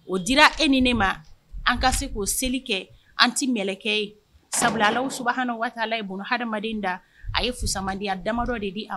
O dira e ni ne ma an ka se k'o seli kɛ an tɛ mikɛ ye sabulalaw su hauna waatila ye bolo hadamaden da a ye fusama di damadɔ de bi a